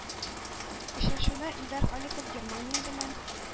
Очрашуда Илдар Халиков Германия белән